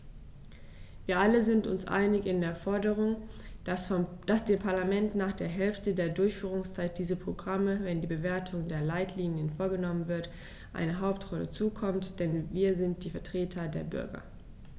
Wir alle sind uns einig in der Forderung, dass dem Parlament nach der Hälfte der Durchführungszeit dieser Programme, wenn die Bewertung der Leitlinien vorgenommen wird, eine Hauptrolle zukommt, denn wir sind die Vertreter der Bürger.